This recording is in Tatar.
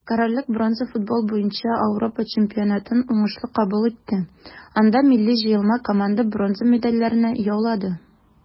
Корольлек бронза футбол буенча Ауропа чемпионатын уңышлы кабул итте, анда милли җыелма команда бронза медальләрне яулады.